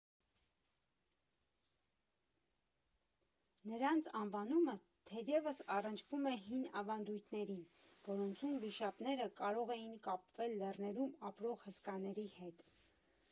Նրանց անվանումը թերևս առնչվում է հին ավանդույթներին, որոնցում վիշապները կարող էին կապվել լեռներում ապրող հսկաների հետ։